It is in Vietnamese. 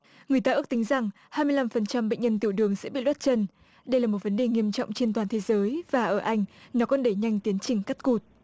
người ta ước tính rằng hai mươi lăm phần trăm bệnh nhân tiểu đường sẽ bị loét chân đây là một vấn đề nghiêm trọng trên toàn thế giới và ở anh nó còn đẩy nhanh tiến trình cắt cụt